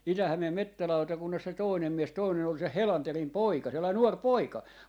se oli Niskanen tämä Itä-Hämeen metsälautakunnassa se toinen mies toinen oli se Helanderin poika sellainen nuori poika